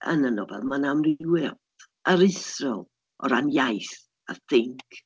Yn y nofel ma' 'na amrywiaeth aruthrol o ran iaith a thinc.